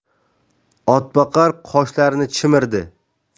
otboqar qoshlarini chimirdi